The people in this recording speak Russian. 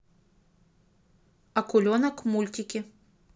акуленок мультики